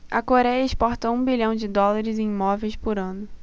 a coréia exporta um bilhão de dólares em móveis por ano